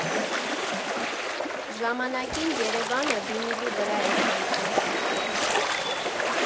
Ժամանակին Երևանը վինիլի վրա էր հնչում։